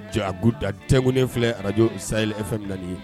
Jaakuda tɛg filɛ arajo sayi ep dilan ye